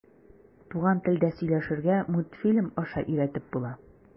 Туган телдә сөйләшергә мультфильм аша өйрәтеп була.